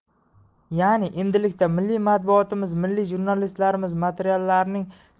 ya'ni endilikda milliy matbuotimiz milliy jurnalistlarimiz materiallarining